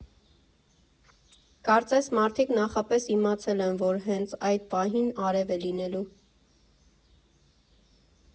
Կարծես մարդիկ նախապես իմացել են, որ հենց այդ պահին արև է լինելու։